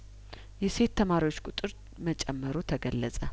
የሴት ተማሪዎች ቁጥር መጨመሩ ተገለጸ